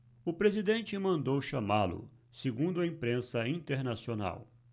o presidente mandou chamá-lo segundo a imprensa internacional